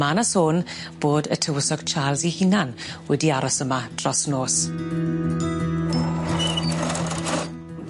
Ma' 'ny sôn bod y tywysog Charles 'i hunan wedi aros yma dros nos.